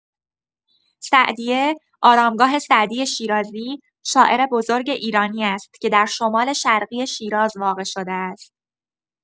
سعدیه، آرامگاه سعدی شیرازی، شاعر بزرگ ایرانی است که در شمال‌شرقی شیراز واقع شده است.